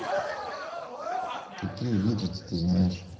какие виджеты ты знаешь